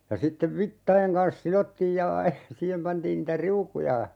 ja sitten vitsojen kanssa sidottiin ja siihen pantiin niitä riukuja